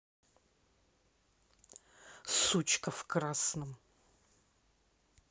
сучка в красном